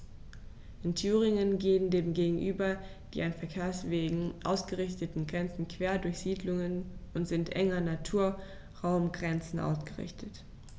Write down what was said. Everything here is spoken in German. In Thüringen gehen dem gegenüber die an Verkehrswegen ausgerichteten Grenzen quer durch Siedlungen und sind eng an Naturraumgrenzen ausgerichtet.